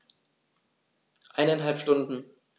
Eineinhalb Stunden